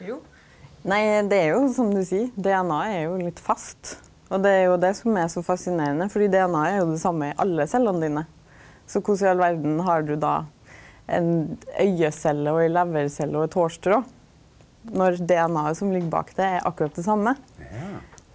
jo nei det er jo som du seier, DNA-et er jo litt fast, og det er jo det som er så fasinerande fordi DNA-et er jo det same i alle cellene dine, så korleis i all verda har du då ein augecelle og ei levercelle og eit hårstrå når DNA-et som ligg bak det er akkurat det same.